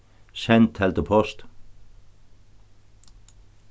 send teldupost